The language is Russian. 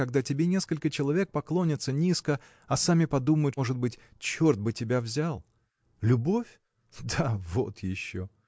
когда тебе несколько человек поклонятся низко а сами подумают может быть Черт бы тебя взял!“ Любовь? Да, вот еще!